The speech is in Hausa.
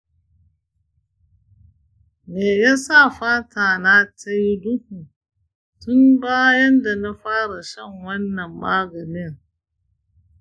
me ya sa fata na ta yi duhu tun bayan da na fara shan wannan maganin?